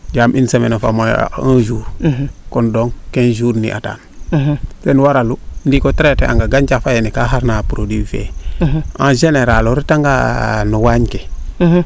yaam une semaine of a moin a sax un jour kon donc quinze jour :far ne'a taan ten waralu ndiiki o traiter a ngaan gancax fa yeene kaa xar naa produit fee en general o reta nga no waañ ke